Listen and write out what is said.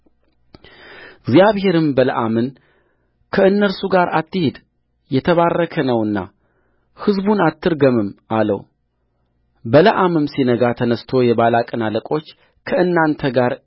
እግዚአብሔርም በለዓምን ከእነርሱ ጋር አትሂድ የተባረከ ነውና ሕዝቡን አትረግምም አለውበለዓምም ሲነጋ ተነሥቶ የባላቅን አለቆች ከእናንተ ጋር